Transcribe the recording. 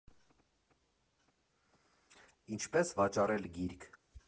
Ինչպե՞ս վաճառել գիրք.